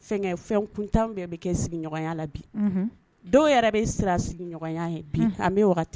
Fɛn fɛn kuntan bɛɛ bɛ kɛ sigiya la bi dɔw yɛrɛ bɛ sira sigiya ye a bɛ